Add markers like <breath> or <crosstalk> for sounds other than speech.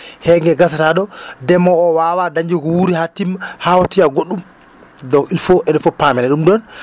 heege ngee gasataa ɗo ndemoowo oo waawa dañde ko wuuri haa timma haa wattoya goɗɗum donc il faut enen fof paamen ɗum ɗoon <breath>